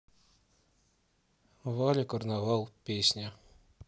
валя карнавал песня